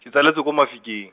ke tsaletswe ko Mafikeng.